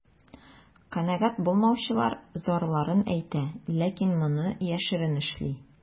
Канәгать булмаучылар зарларын әйтә, ләкин моны яшерен эшли.